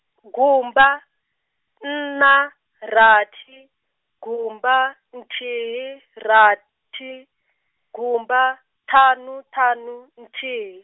gumba, nṋa, rathi, gumba, nthihi, rathi, gumba, ṱhanu ṱhanu, nthihi.